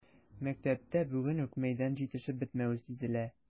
Мәктәптә бүген үк мәйдан җитешеп бетмәве сизелә.